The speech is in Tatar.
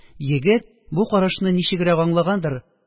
Егет бу карашны ничегрәк аңлагандыр,